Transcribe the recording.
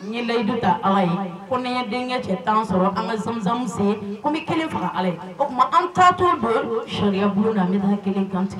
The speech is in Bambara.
N ye layidu ta ala ye ko ni n ye denkɛ cɛ tan sɔrɔ an ka zam-zam sen ko n b'i kelen faga ala ye, o tuma an ka t'u don sariya bulon na an ka kelen kan tigɛ.